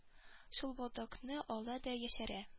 Шул балдакны ала да яшерә